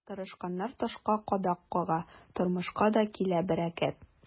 Тырышканнар ташка кадак кага, тормышка да килә бәрәкәт.